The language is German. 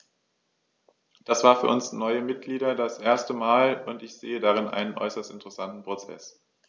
Das war für uns neue Mitglieder das erste Mal, und ich sehe darin einen äußerst interessanten Prozess.